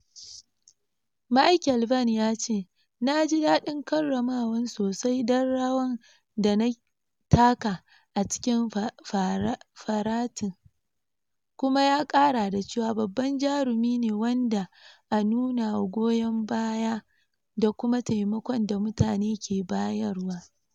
Michael Vann ya ce "na ji daɗin karamawan sosai don rawan da na taka a cikin faratin" kuma ya kara da cewa babban jarumi ne wanda a nunawa goyon baya da kuma taimakon da mutane ke bayarwa."